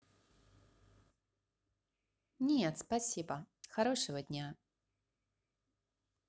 нет спасибо хорошего дня